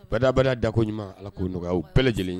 Badaba dako ɲumanuma ala koo nɔgɔya bɛɛlɛ lajɛlen